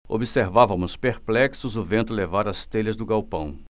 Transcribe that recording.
observávamos perplexos o vento levar as telhas do galpão